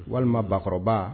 Walima bakɔrɔba